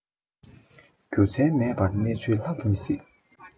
རྒྱུ མཚན མེད པར གནས ཚུལ ལྷག མི སྲིད